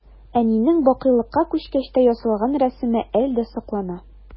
Әнинең бакыйлыкка күчкәч тә ясалган рәсеме әле дә саклана.